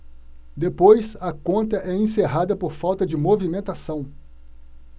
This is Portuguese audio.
depois a conta é encerrada por falta de movimentação